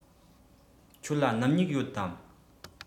ཁྱོད ལ སྣུམ སྨྱུག ཡོད དམ